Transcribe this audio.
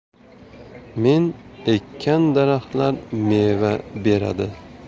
men ekkan daraxtlar meva beradi